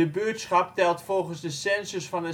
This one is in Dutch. buurtschap telt volgens de census van